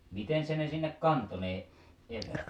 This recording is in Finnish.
miten se ne sinne kantoi ne eväät